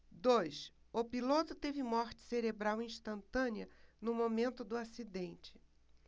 dois o piloto teve morte cerebral instantânea no momento do acidente